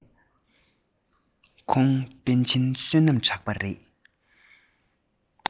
ཁོང པན ཆེན བསོད ནམས གྲགས པ རེད